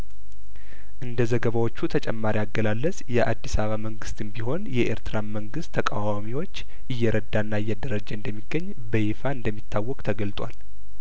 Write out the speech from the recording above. እንደ ዘገባዎቹ ተጨማሪ አገላለጽ የአዲስአባ መንግስትም ቢሆን የኤርትራን መንግስት ተቃዋሚዎች እየረዳና እየደራጀ እንደሚገኝ በይፋ እንደሚታወቅ ተገልጧል